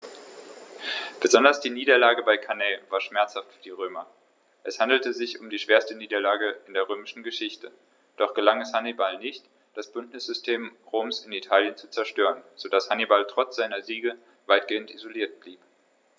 Besonders die Niederlage bei Cannae war schmerzhaft für die Römer: Es handelte sich um die schwerste Niederlage in der römischen Geschichte, doch gelang es Hannibal nicht, das Bündnissystem Roms in Italien zu zerstören, sodass Hannibal trotz seiner Siege weitgehend isoliert blieb.